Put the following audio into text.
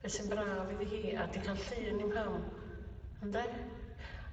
Be' sy'n braf iddi hi a 'di ca'l llun 'i mham ynde?